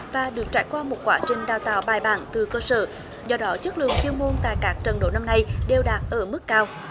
và được trải qua một quá trình đào tạo bài bản từ cơ sở do đó chất lượng chuyên môn tại các trận đấu năm nay đều đặn ở mức cao